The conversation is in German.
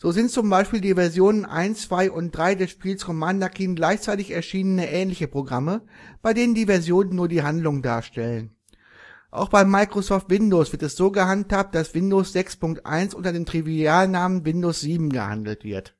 sind zum Beispiel die Versionen 1, 2 und 3 des Spiels Commander Keen gleichzeitig erschienene ähnliche Programme, bei denen die Versionen nur die Handlung darstellen. Auch bei Microsoft Windows wird es so gehandhabt, dass Windows 6.1 unter dem Trivialnamen Windows 7 gehandelt wird